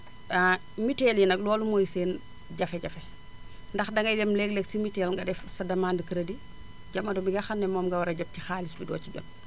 mutuelle yi nag loolu mooy seen jafe-jafe ndax dangay dem léeg-léeg si mutuelle nga def sa demande crédit jamono bi nga xam ne moom nga war a jot ci xaalis bi doo ci jot